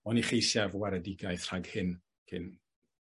oni cheisiaf waredigaeth rhag hyn cyn